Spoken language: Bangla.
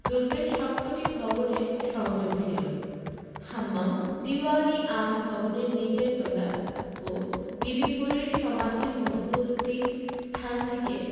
দুর্গের সবকটি ভবনের সংযোগ ছিল হাম্মাম দীউয়ান ই আম ভবনের নীচের তলা ও বিবি পরীর সমাধির মধ্যবর্তী স্থান থেকে